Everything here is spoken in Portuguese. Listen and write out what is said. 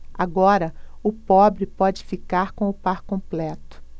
agora o pobre pode ficar com o par completo